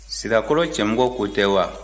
sirakɔrɔ cɛmɔgɔ ko tɛ wa